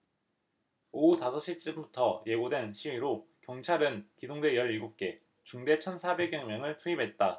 오후 다섯 시쯤부터 예고된 시위로 경찰은 기동대 열 일곱 개 중대 천 사백 여 명을 투입했다